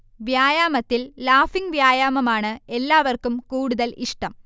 വ്യായാമത്തിൽ ലാഫിങ് വ്യായാമമാണ് എല്ലാവർക്കും കൂടുതൽ ഇഷ്ടം